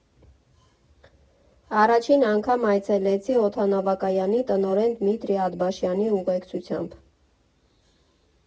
Առաջին անգամ այցելեցի օդանավակայանի տնօրեն Դմիտրի Աթբաշյանի ուղեկցությամբ։